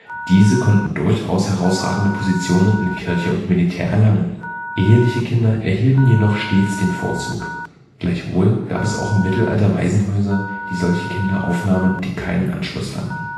Diese konnten durchaus herausragende Positionen in Kirche und Militär erlangen. Eheliche Kinder erhielten jedoch stets den Vorzug. Gleichwohl gab es auch im Mittelalter Waisenhäuser, die solche Kinder aufnahmen, die keinen Anschluss fanden